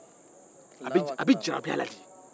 a bɛ jarabi a la de